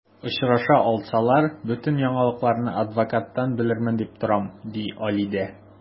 Очраша алсалар, бөтен яңалыкларны адвокаттан белермен дип торам, ди Алидә.